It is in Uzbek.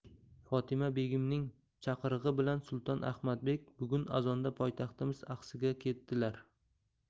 fotima begimning chaqirig'i bilan sulton ahmadbek bugun azonda poytaxtimiz axsiga ketdilar